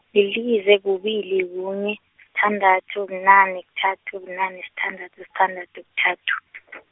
lilize, kubili kunye, sithandathu bunane kuthathu bunane sithandathu sithandathu kuthathu .